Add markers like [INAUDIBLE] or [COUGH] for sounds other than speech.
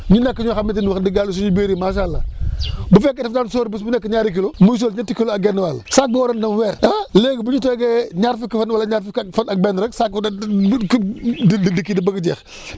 ñu nekk ñoo xamante ni wax dëgg yàlla suñu biir yi macha allah [NOISE] bu fekkee daf daan sóor bés bu nekk ñaari kilos muy sóor ñetti kilos ak genn wàll saag bi waroon dem weer ah léegi bu ñu toogee ñaar fukki fan wala ñaar fukki fan ak benn rek saag ba dem [HESITATION] di kii rek di bëgg jeex [BREATH]